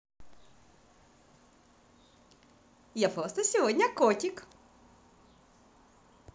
я просто сегодня котик